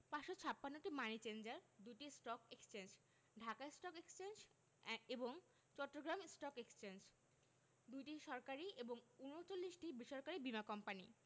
৫৫৬টি money changer ২টি stock exchange Dhaka stock exchange এবং চট্টগ্রাম স্টক এক্সচেঞ্জ ২টি সরকারি ও ৩৯টি বেসরকারি বীমা কোম্পানি